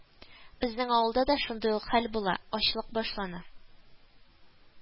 Безнең авылда да шундый ук хәл була, ачлык башлана